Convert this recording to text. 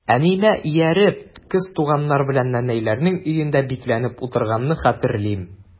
Әниемә ияреп, кыз туганнар белән нәнәйләрнең өендә бикләнеп утырганны хәтерлим.